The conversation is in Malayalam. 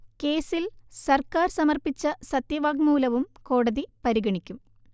കേസിൽ സർക്കാർ സമർപ്പിച്ച സത്യവാങ്മൂലവും കോടതി പരിഗണിക്കും